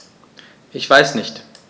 Ich weiß nicht.